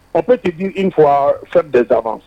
O bɛ tigi di in fɔ fɛn bɛsaban